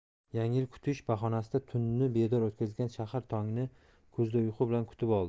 yangi yil kutish bahonasida tunni bedor o'tkazgan shahar tongni ko'zda uyqu bilan kutib oldi